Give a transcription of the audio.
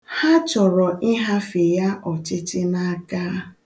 Ha chọrọ ịhafe ya ọchịchị n'aka.